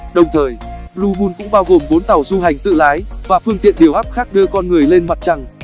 đồng thời blue moon cũng bao gồm tàu du hành tự lái và phương tiện điều áp khác đưa con người lên mặt trăng